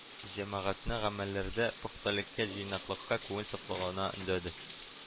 Җәмәгатьне гамәлләрдә пөхтәлеккә-җыйнаклыкка, күңел сафлыгына өндәде